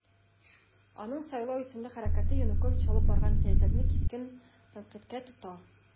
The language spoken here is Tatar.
Аның "Сайлау" исемле хәрәкәте Янукович алып барган сәясәтне кискен тәнкыйтькә тота.